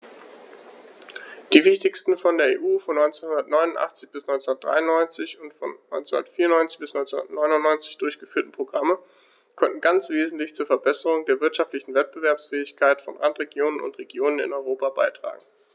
Die wichtigsten von der EU von 1989 bis 1993 und von 1994 bis 1999 durchgeführten Programme konnten ganz wesentlich zur Verbesserung der wirtschaftlichen Wettbewerbsfähigkeit von Randregionen und Regionen in Europa beitragen.